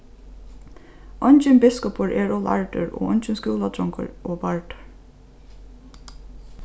eingin biskupur er ov lærdur og eingin skúladrongur ov bardur